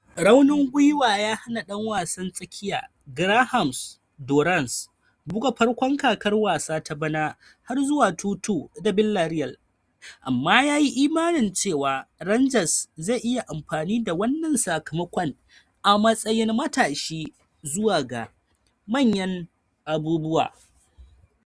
Raunin gwiwa ya hana dan wasan tsakiya Graham Dorrans buga farkon kakar wasa ta bana har zuwa 2-2 da Villarreal amma ya yi imanin cewa Rangers zai iya amfani da wannan sakamakon a matsayin matashi zuwa ga manyan abubuwa.